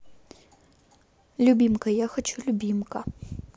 любимка я хочу любимка